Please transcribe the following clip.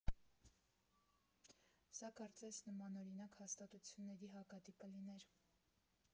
Սա կարծես նմանօրինակ հաստատությունների հակատիպը լիներ։